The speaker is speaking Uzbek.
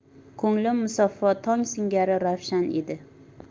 ko'nglim musaffo tong singari ravshan edi